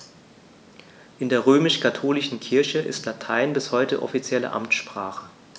In der römisch-katholischen Kirche ist Latein bis heute offizielle Amtssprache.